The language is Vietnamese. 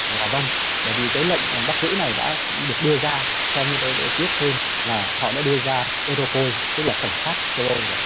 dạ vâng bởi vì cái lệnh bắt giữ này đã được đưa ra theo như tôi được biết thêm là họ đã đưa ra ê rô pôi tức là cảnh sát châu âu rồi